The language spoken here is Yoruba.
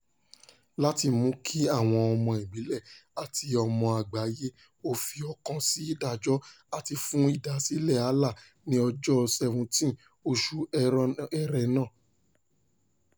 Láti mú kí àwọn ọmọ ìbílẹ̀ àti ọmọ àgbáyé ó fi ọkàn sí ìdájọ́ àti fún ìdásílẹ̀ẹ Alaa ní ọjọ́ 17 oṣù Ẹrẹ́nà.